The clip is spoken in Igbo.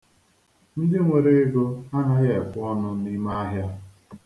Ndị nwere ego adịghị ekwe ọnụ n'ahịa